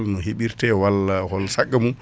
no heeɓirte walla hol saggua mum